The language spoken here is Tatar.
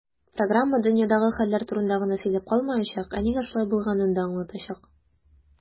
Программа "дөньядагы хәлләр турында гына сөйләп калмаячак, ә нигә шулай булганын да аңлатачак".